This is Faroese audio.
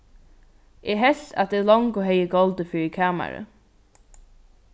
eg helt at eg longu hevði goldið fyri kamarið